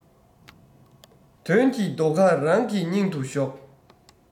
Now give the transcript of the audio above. དོན གྱི རྡོ ཁ རང གི སྙིང དུ ཞོག